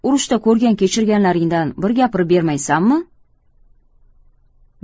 urushda ko'rgan kechirganlaringdan bir gapirib bermaysanmi